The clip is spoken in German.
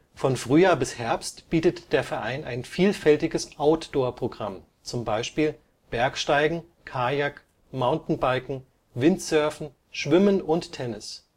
Von Frühjahr bis Herbst bietet der Verein ein vielfältiges Outdoor-Programm (Bergsteigen, Kajak, Mountainbiken, Windsurfen, Schwimmen und Tennis